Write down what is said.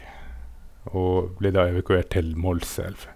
Og ble da evakuert til Målselv.